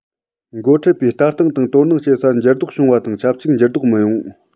འགོ ཁྲིད པའི ལྟ སྟངས དང དོ སྣང བྱེད ས འགྱུར ལྡོག བྱུང བ དང ཆབས ཅིག འགྱུར ལྡོག མི ཡོང